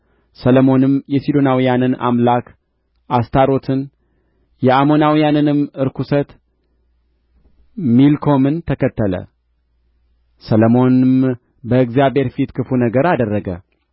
ሰሎሞንም የሲዶናውያንን አምላክ አስታሮትን የአሞናውያንንም ርኵሰት ሚልኮምን ተከተለ ሰሎሞንም በእግዚአብሔር ፊት ክፉ ነገርን አደረገ